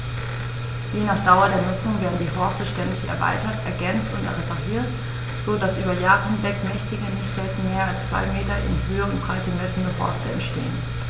Je nach Dauer der Nutzung werden die Horste ständig erweitert, ergänzt und repariert, so dass über Jahre hinweg mächtige, nicht selten mehr als zwei Meter in Höhe und Breite messende Horste entstehen.